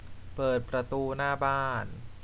เปิดประตูหน้าบ้าน